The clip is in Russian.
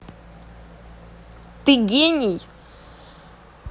ты гений